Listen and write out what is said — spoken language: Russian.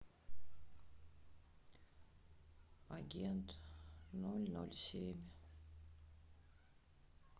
агент ноль ноль семь